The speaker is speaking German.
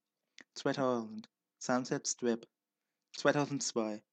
2000: Sunset Strip 2002